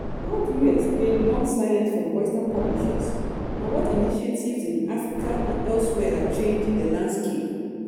How do you explain the long silence from Western publishers, and what initiatives in Africa and elsewhere are changing the landscape?